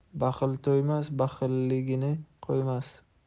baxil to'ymas baxilligini qo'ymas